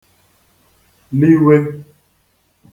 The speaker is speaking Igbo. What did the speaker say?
liwe